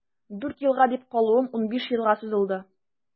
Дүрт елга дип калуым унбиш елга сузылды.